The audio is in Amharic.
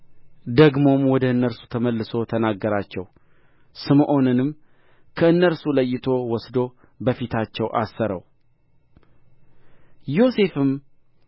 ደግሞም ወደ እነርሱ ተመልሶ ተናገራቸው ስምዖንንም ከእነርሱ ለይቶ ወሰዶ በፊታቸው አሰረው ዮሴፍም